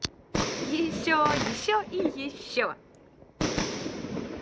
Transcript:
еще еще и еще